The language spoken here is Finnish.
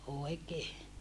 oikein